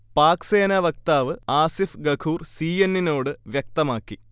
Pack സേന വക്താവ് Asif Ghafoor C. N. എന്നിനോട് വ്യക്തമാക്കി